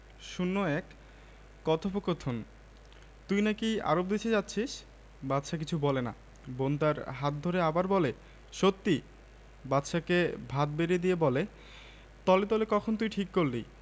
নানা নাশতা খেতে খেতে বললেন গরম রুটির মজাই আলাদা শরিফা আর কিছু লাগবে নানা নানা আমার ঔষধের কৌটোটা এনে দাও বুবু শরিফা ঘর থেকে ঔষধের কৌটোটা এনে দিল